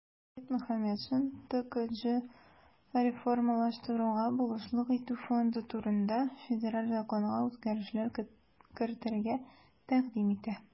Фәрит Мөхәммәтшин "ТКҖ реформалаштыруга булышлык итү фонды турында" Федераль законга үзгәрешләр кертергә тәкъдим итә.